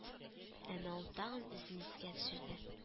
Әмма ул тагын үзен искә төшерде